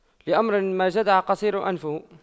لأمر ما جدع قصير أنفه